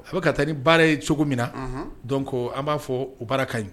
A bɛ ka taa ni baara ye cogo min na dɔn ko an b'a fɔ baara ka ɲi